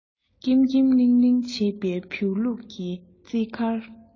ཀེམ ཀེམ ལིང ལིང བྱེད པའི བེའུ ལུག གི རྩེད གར